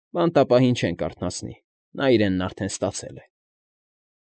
Բանտապահին չենք արթնացնի։ Նա իրենն արդեն ստացել է։